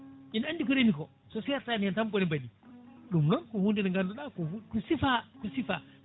ina andi ko reemi ko sertani hen boni mbaɗi ɗum noon ko hunde nde ganduɗa ko hu ko siifa ko siifa